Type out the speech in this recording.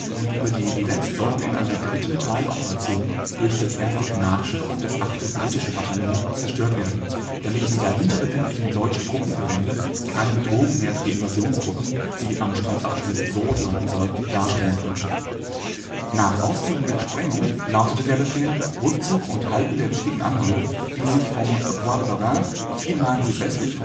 und über die Divette sollten in einer dritten Teiloperation durch das 1. Kanadische und das 8. Britische Bataillon zerstört werden, damit die dahinter befindlichen deutschen Truppenverbände keine Bedrohung mehr für die Invasionstruppen, die am Strandabschnitt Sword landen sollten, darstellen konnten. Nach Ausführung der Sprengungen lautete der Befehl: Rückzug und Halten der wichtigen Anhöhe, die sich vom Bois de Bavent, vier Meilen südöstlich